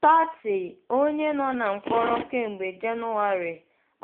Touati, onye nọ na mkpọrọ kemgbe Jenụwarị